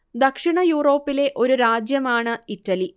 ദക്ഷിണ യൂറോപ്പിലെ ഒരു രാജ്യമാണ് ഇറ്റലി